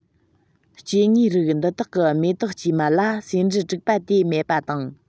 སྐྱེ དངོས རིགས འདི དག གི མེ ཏོག དཀྱུས མ ལ ཟེའུ འབྲུ དྲུག པ དེ མེད པ དང